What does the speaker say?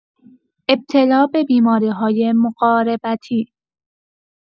ابتلا به بیماری‌های مقاربتی